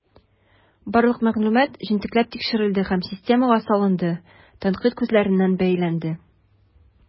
Барлык мәгълүмат җентекләп тикшерелде һәм системага салынды, тәнкыйть күзлегеннән бәяләнде.